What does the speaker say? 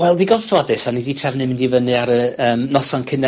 Wel digon ffodus o'n i 'di trefnu mynd i fyny ar y yym noson cyn y...